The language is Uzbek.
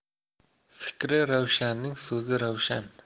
fikri ravshanning so'zi ravshan